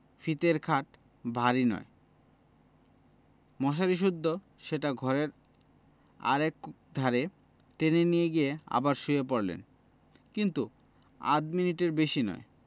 ফিতের খাট ভারী নয় মশারি সুদ্ধ সেটা ঘরের আর একধারে টেনে নিয়ে গিয়ে আবার শুয়ে পড়লেন কিন্তু আধ মিনিটের বেশি নয়